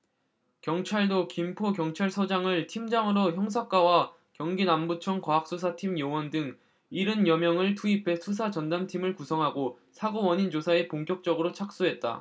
경찰도 김포경찰서장을 팀장으로 형사과와 경기남부청 과학수사팀 요원 등 일흔 여명을 투입해 수사 전담팀을 구성하고 사고 원인 조사에 본격적으로 착수했다